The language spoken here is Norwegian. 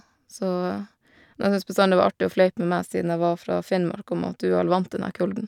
Så dem syns bestandig det var artig å fleipe med meg siden jeg var fra Finnmark, om at Du er vel vant til den her kulden.